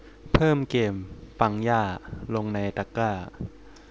เพิ่มเกมปังย่าลงในตะกร้า